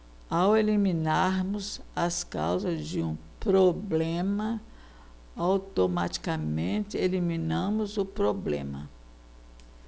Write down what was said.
ao eliminarmos as causas de um problema automaticamente eliminamos o problema